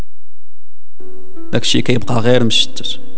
تكسي كيف اغير